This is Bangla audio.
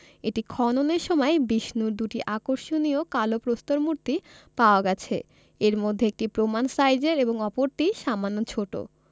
এটি খননের সময় বিষ্ণুর দুটি আকর্ষণীয় কালো প্রস্তর মূর্তি পাওয়া গেছে এর মধ্যে একটি প্রমাণ সাইজের এবং অপরটি সামান্য ছোট